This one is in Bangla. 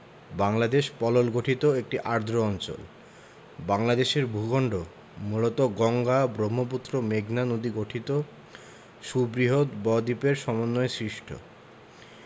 বাংলদেশ পলল গঠিত একটি আর্দ্র অঞ্চল বাংলাদেশের ভূখন্ড মূলত গঙ্গা ব্রহ্মপুত্র মেঘনা নদীগঠিত সুবৃহৎ বদ্বীপের সমন্বয়ে সৃষ্ট